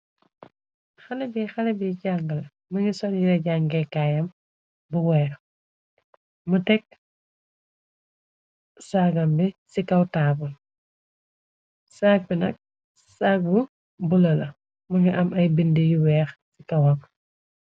Haley bi, haley bi jàng la, mungi sol yiré jangeekaayam bu weeh. Mu tekk sagam bi ci kaw taabl. Sagg bi nak sagg bu bulo la mungi am ay bind yu weeh ci kawam.